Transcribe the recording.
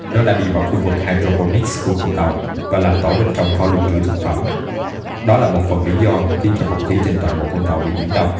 nó đã đi vào khu vực hydroponics của con tàu và làm tổ bên trong kho lưu trữ thực phẩm đó là một phần lý do khiến cho không khí trên toàn bộ con tàu bị nhiễm độc